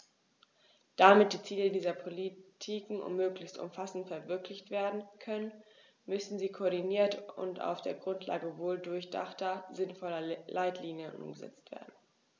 Damit die Ziele dieser Politiken möglichst umfassend verwirklicht werden können, müssen sie koordiniert und auf der Grundlage wohldurchdachter, sinnvoller Leitlinien umgesetzt werden.